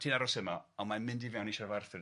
...ti'n aros yma on' mae'n mynd i fewn i siarad efo Arthur.